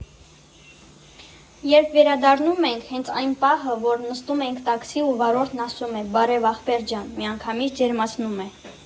Երբ վերադառնում ենք՝ հենց այն պահը, որ նստում ենք տաքսի ու վարորդն ասում է՝ «Բարև, ախպեր ջան», միանգամից ջերմացնում է։